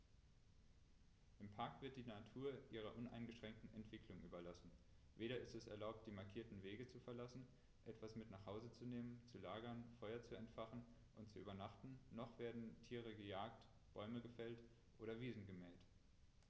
Im Park wird die Natur ihrer uneingeschränkten Entwicklung überlassen; weder ist es erlaubt, die markierten Wege zu verlassen, etwas mit nach Hause zu nehmen, zu lagern, Feuer zu entfachen und zu übernachten, noch werden Tiere gejagt, Bäume gefällt oder Wiesen gemäht.